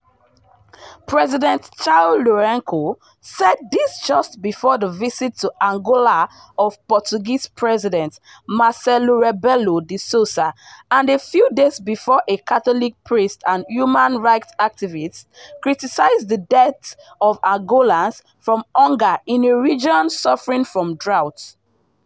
President João Lourenço said this just before the visit to Angola of Portuguese President Marcelo Rebelo de Sousa, and a few days before a Catholic priest and human rights activist criticized the death of Angolans from hunger in a region suffering from drought.